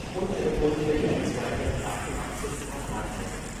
und eine Grundfläche von 288 m²